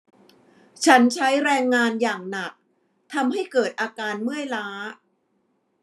ฉันใช้แรงงานอย่างหนักทำให้เกิดอาการเมื่อยล้า